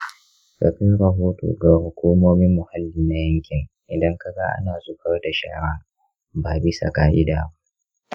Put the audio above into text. ka kai rahoto ga hukumomin muhalli na yankin idan ka ga ana zubar da shara ba bisa ka’ida ba.